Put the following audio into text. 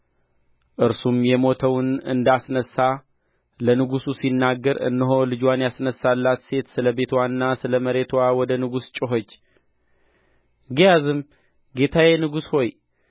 እርሱም የሞተውን እንደ አስነሣ ለንጉሡ ሲናገር እነሆ ልጅዋን ያስነሣላት ሴት ስለ ቤትዋና ስለ መሬትዋ ወደ ንጉሥ ጮኸች ግያዝም ጌታዬ ንጉሥ ሆይ